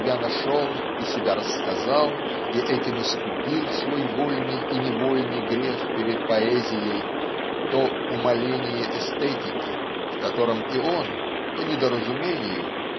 себя нашел и себя рассказал и этим искупил свой вольный и невольный грех перед поэзией то умаление эстетики в котором и он по недоразумению